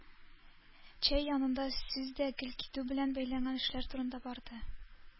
Чәй янында сүз дә гел китү белән бәйләнгән эшләр турында барды.